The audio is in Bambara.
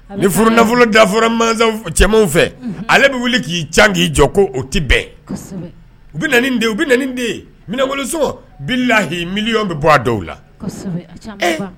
Ni furu nafolo da fɔra masa cɛmanw fɛ, ale bɛ wuli k'i ca k'i jɔ ko o tɛ bɛn, u bɛna nin de ye, u bɛna nin de ye, minɛnkolo sɔgɔn, bilahi million bɛ bɔ dɔw la, ɛɛ!!!